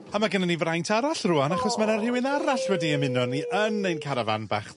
A ma' gynnon ni fraint arall rŵan achos ma' 'na rywun arall wedi ymuno â ni yn ein carafan bach